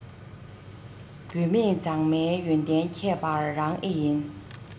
བུད མེད མཛངས མའི ཡོན ཏན ཁྱད པར རང ཨེ ཡིན